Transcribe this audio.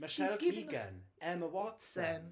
Michelle Keegan, Emma Watson.